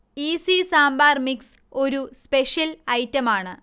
easy sambar mix ഒരു special ഐറ്റമാണ്